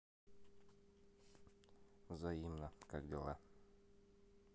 взаимно как дела